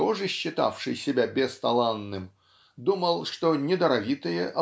тоже считавший себя бесталанным думал что недаровитые